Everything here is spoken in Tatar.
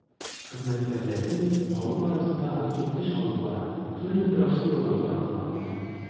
Хезмәткәрләребез халык арасында актив эш алып бара, төрле брошюралар таратыла.